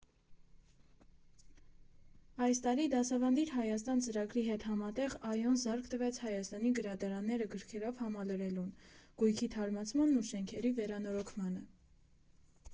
Այս տարի «Դասավանդի՛ր, Հայաստան» ծրագրի հետ համատեղ ԱՅՈ֊ն զարկ տվեց Հայաստանի գրադարանները գրքերով համալրելուն, գույքի թարմացմանն ու շենքի վերանորոգմանը։